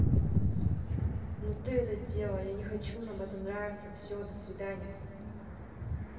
но ты это дело а я не хочу нам это нравится все до свидания